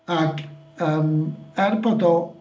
Ac yym er bod o...